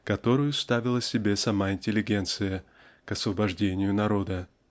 которую ставила себе сама интеллигенция к освобождению народа.